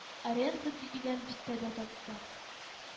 Аренда дигән бистәдә тапты